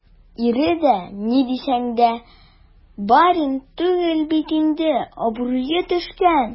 Ире дә, ни дисәң дә, барин түгел бит инде - абруе төшкән.